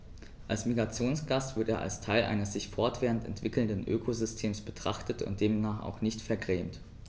Als Migrationsgast wird er als Teil eines sich fortwährend entwickelnden Ökosystems betrachtet und demnach auch nicht vergrämt.